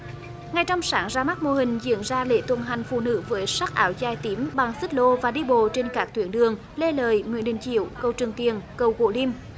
ngay trong sáng ra mắt mô hình diễn ra lễ tuần hành phụ nữ với sắc áo dài tím bằng xích lô và đi bộ trên các tuyến đường lê lợi nguyễn đình chiểu cầu trường tiền cầu gỗ lim